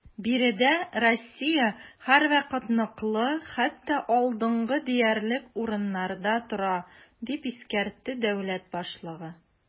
Биредә Россия һәрвакыт ныклы, хәтта алдынгы диярлек урыннарда тора, - дип искәртте дәүләт башлыгы.